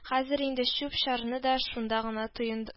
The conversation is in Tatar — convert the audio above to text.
Хәзер инде чүп-чарны да шунда гына тоян